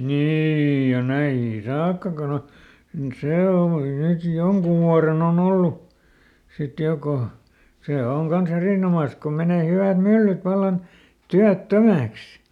niin ja näihinkin saakka kun on se hommakin nyt jonkun vuoden on ollut sitten jo kun se on kanssa erinomaisessa kun menee hyvät myllyt vallan työttömäksi